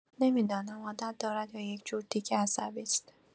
نمی‌دانم عادت دارد یا یک‌جور تیک عصبی است.